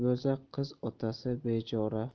bo'lsa qiz otasi bechora